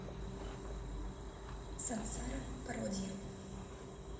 сансара пародия